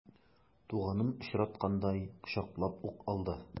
Туганын очраткандай кочаклап ук алды.